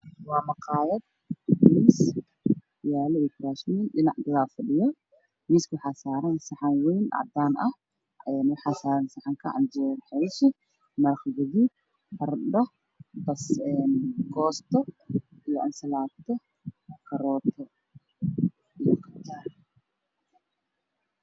Waa mid oo maqaayad leh mise si kuraas waxaa geeska fadhiyo dad kuraasta waxaa saaran saxarmo ay ku jiraan cuntooyin fara badan